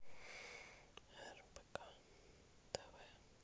рбк тв